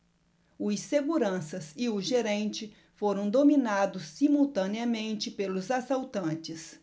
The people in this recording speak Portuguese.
os seguranças e o gerente foram dominados simultaneamente pelos assaltantes